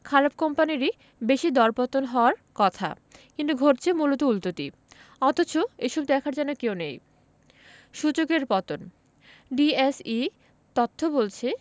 খারাপ কোম্পানিরই বেশি দরপতন হওয়ার কথা কিন্তু ঘটছে মূলত উল্টোটি অথচ এসব দেখার যেন কেউ নেই সূচকের পতন ডিএসইর তথ্য বলছে